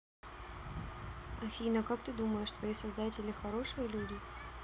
афина как ты думаешь твои создатели хорошие люди